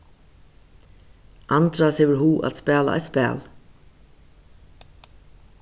andras hevur hug at spæla eitt spæl